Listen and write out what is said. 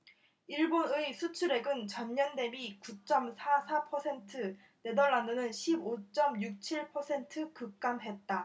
일본의 수출액은 전년대비 구 쩜 사 사 퍼센트 네덜란드는 십 오 쩜 육 칠 퍼센트 급감했다